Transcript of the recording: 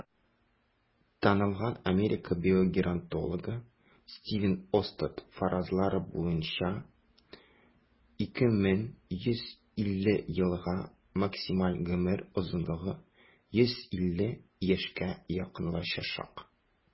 Танылган Америка биогеронтологы Стивен Остад фаразлары буенча, 2150 елга максималь гомер озынлыгы 150 яшькә якынлашачак.